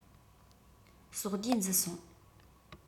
སྲོག བསྡོས འཛུལ སོང